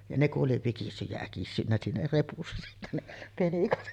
ja ne kun oli vikissyt ja äkissyt siinä repussa sitten ne penikat